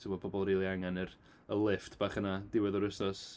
Timod pobl rili angen yr y lifft bach yna diwedd yr wsos.